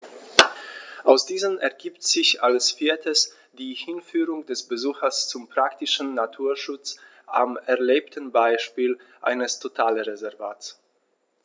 Aus diesen ergibt sich als viertes die Hinführung des Besuchers zum praktischen Naturschutz am erlebten Beispiel eines Totalreservats.